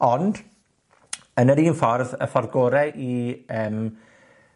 Ond, yn yr un ffordd, y ffordd gore i yym,